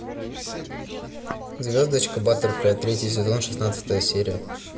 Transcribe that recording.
звездочка баттерфляй третий сезон шестнадцатая серия